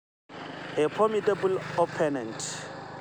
A formidable opponent